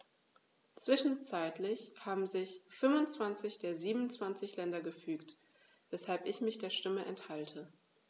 Zwischenzeitlich haben sich 25 der 27 Länder gefügt, weshalb ich mich der Stimme enthalte.